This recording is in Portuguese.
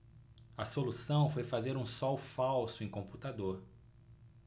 a solução foi fazer um sol falso em computador